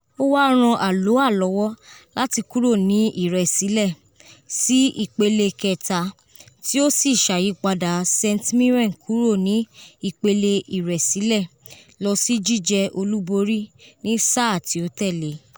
Ó wá rán Alloa lọ́wọ́ láti kúrò ní ìrẹ̀sílẹ̀ sí ìpele kẹta, tí ó sì ṣàyípadà St Mirren kúrò ní ìpele ìrẹ̀sílẹ̀ lọ́ sí jíjẹ́ olúborí ní sáà tí ó tẹ̀le.